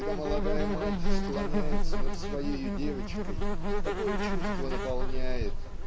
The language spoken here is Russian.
когда молодая мать склоняется над своею девочкой такое чувство наполняет